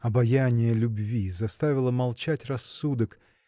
обаяние любви заставило молчать рассудок